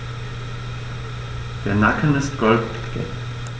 Der Nacken ist goldgelb.